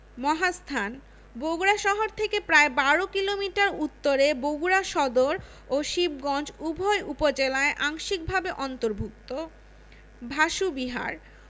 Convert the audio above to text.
মহাস্থান বগুড়া শহর থেকে প্রায় ১২ কিলোমিটার উত্তরে বগুড়া সদর ও শিবগঞ্জ উভয় উপজেলায় আংশিকভাবে অন্তর্ভুক্ত ভাসু বিহার